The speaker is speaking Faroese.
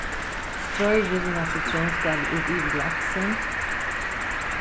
stroy rivna sitrónskalið út yvir laksin